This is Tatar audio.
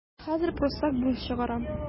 Хәзер пруссак бунт чыгара.